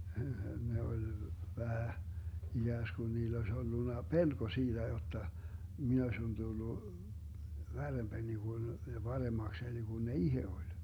ne oli vähän ikään kuin niillä olisi ollut pelko siitä jotta minä olisin tullut värrempäni kuin ja paremmakseni kuin ne itse oli